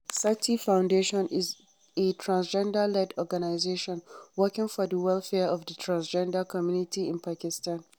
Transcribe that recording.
Sathi Foundation is a transgender-led organization working for the welfare of the transgender community in Pakistan.